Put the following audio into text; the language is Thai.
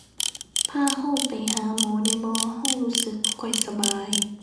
พาเราไปหาหมอได้บ่ เรารู้สึกบ่ค่อยสบาย